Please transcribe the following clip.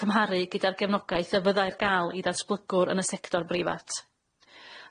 cymharu gyda'r gefnogaeth y fyddai ar ga'l i ddatblygwr yn y sector breifat.